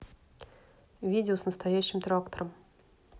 видео с настоящим трактором